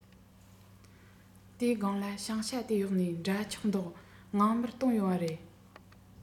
དེའི སྒང ལ ཕྱིང ཞྭ དེ གཡོག ནས འདྲ ཆགས མདོག ངང མར དོན ཡོང བ རེད